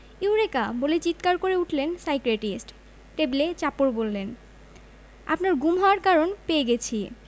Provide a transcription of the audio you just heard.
eureka বলে চিৎকার করে উঠলেন সাইকিয়াট্রিস্ট টেবিলে চাপড় বললেন আপনার গুম হওয়ার কারণ পেয়ে গেছি